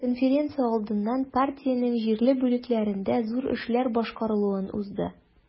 Конференция алдыннан партиянең җирле бүлекләрендә зур эшләр башкарылуын узды.